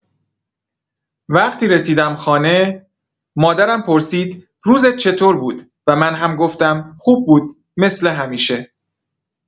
وقتی رسیدم خانه، مادرم پرسید روزت چطور بود و من هم گفتم خوب بود، مثل همیشه.